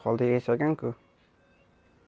holda yashagan ku